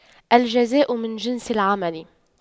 الجزاء من جنس العمل